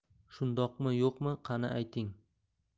shundoqmi yo'qmi qani ayting